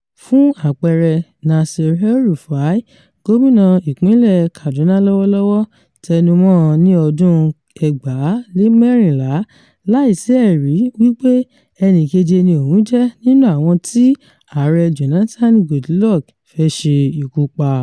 Fún àpẹẹrẹ, Nassir El-Rufai, gómìnà ìpínlẹ̀ẹ Kaduna lọ́wọ́lọ́wọ́ tẹnu mọ́ ọn ní ọdún-un 2014 — láìsí ẹ̀rí — wípé “ẹni kéje ni òun jẹ́ nínú àwọn tí [Ààrẹ Jónátàànì Goodluck] fẹ́ ṣe ikú pa ”.